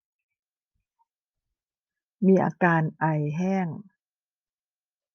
มีอาการไอแห้ง